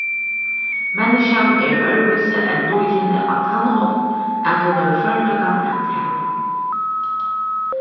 menniskjan er øðrvísi enn dýrini á tann hátt at hon hevur førleikan at tala